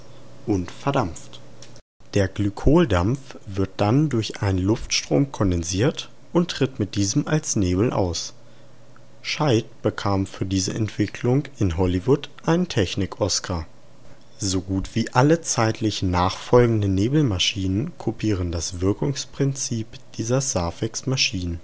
verdampft. Der Glykoldampf wird dann durch einen Luftstrom kondensiert und tritt mit diesem als Nebel aus. Schaidt bekam für diese Entwicklung in Hollywood einen Technik-Oscar. So gut wie alle zeitlich nachfolgenden Nebelmaschinen kopieren das Wirkungsprinzip dieser Safex-Maschinen